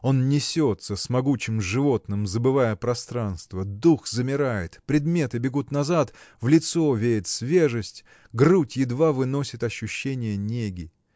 Он несется с могучим животным, забывая пространство. Дух замирает, предметы бегут назад в лицо веет свежесть грудь едва выносит ощущение неги.